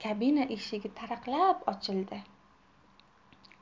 kabina eshigi taraqlab ochildi